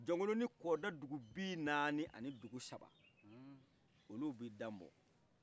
jɔkoloni ni kɔda dugu binani ani dugu saba olu bi danbɔ